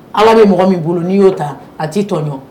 Ala bɛ mɔgɔ min bolo n'i y'o ta a tɛ tɔɲɔn